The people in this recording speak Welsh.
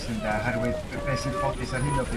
ynde? Oherwydd be- be sy'n ffodus ar hyn o bryd yma